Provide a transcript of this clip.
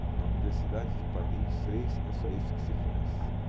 na universidade de paris três é só isso que se faz